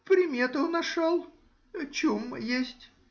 — Примету нашел — чум есть.